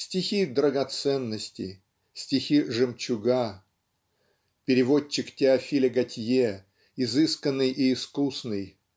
стихи-драгоценности, стихи-жемчуга. Переводчик Теофиля Готье изысканный и искусный